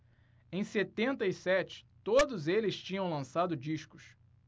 em setenta e sete todos eles tinham lançado discos